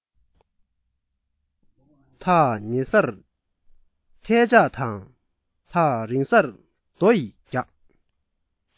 ཐག ཉེ སར ཐལ ལྕག དང ཐག རིང སར རྡོ ཡིས རྒྱག